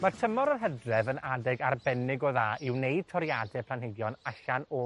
Ma'r tymor y Hydref yn adeg arbennig o dda i wneud toriade'r planhigion allan o